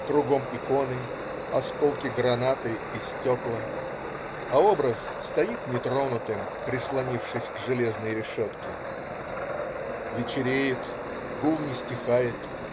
Кругом иконы - осколки гранаты и стекла, а образ стоит нетронутым, прислонившись к железной решетке. Вечереет. Гул не стихает.